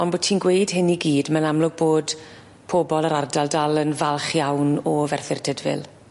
On' bo' ti'n gweud hyn i gyd, ma'n amlwg bod pobol yr ardal dal yn falch iawn o Ferthyr Tydfil.